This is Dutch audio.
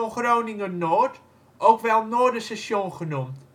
Groningen Noord, ook wel Noorderstation genoemd